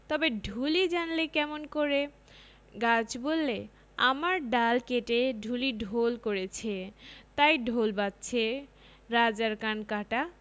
তবে ঢুলি জানলে কেমন করে গাছ বললে আমার ডাল কেটে ঢুলি ঢোল করেছে তাই ঢোল বাজছে রাজার কান কাটা